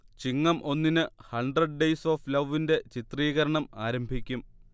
ചിങ്ങം ഒന്നിന് hundred days of ലവിന്റെ ചിത്രീകരണം ആരംഭിക്കും